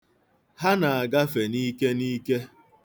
Ha na-agafe n'ike n'ike.